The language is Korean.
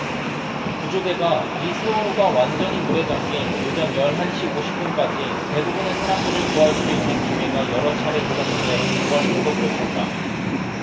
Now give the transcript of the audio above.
구조대가 이 세월호가 완전히 물에 잠긴 오전 열 한 시 오십 분까지 대부분의 사람들을 구할 수 있는 기회가 여러 차례 있었는데 그걸 계속 놓쳤다